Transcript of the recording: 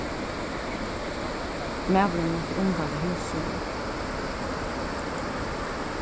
maðurin mátti umvæla hús síni